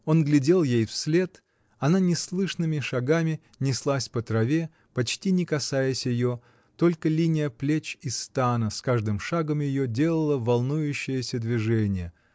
Он глядел ей вслед: она неслышными шагами неслась по траве, почти не касаясь ее, только линия плеч и стана, с каждым шагом ее, делала волнующееся движение